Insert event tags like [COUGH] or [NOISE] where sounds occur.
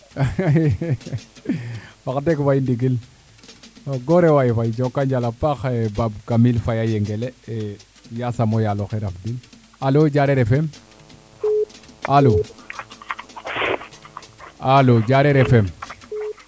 [LAUGHS] wax deg Faye ndigil waaw goore waay Faye jokonjal a paax Babe Kamil Faye a Yengele yasam o yaaloxe raf din alo Diarer FM alo Alo Diarer Fm